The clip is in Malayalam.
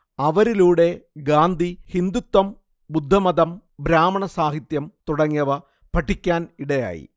അവരിലുടെ ഗാന്ധി ഹിന്ദുത്വം ബുദ്ധമതം ബ്രാഹ്മണ സാഹിത്യം തുടങ്ങിയവ പഠിക്കാൻ ഇടയായി